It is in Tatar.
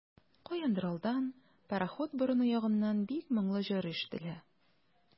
Каяндыр алдан, пароход борыны ягыннан, бик моңлы җыр ишетелә.